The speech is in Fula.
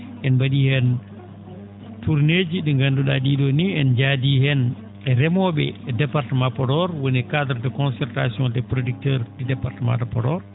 en mba?ii heen tourné ji ?i ngandu?aa ?ii?oo nii en njaadii heen e remoo?e département Podor woni cadre de concertation des producteurs du département de Podor